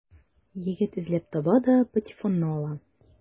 Егет эзләп таба да патефонны ала.